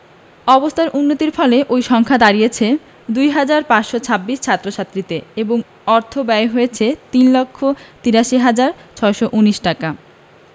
অবস্থার উন্নতির ফলে ওই সংখ্যা দাঁড়িয়েছে ২ হাজার ৫৬০ ছাত্রছাত্রীতে এবং অর্থব্যয় হয়েছে ৩ লক্ষ ৮৩ হাজার ৬১৯ টাকা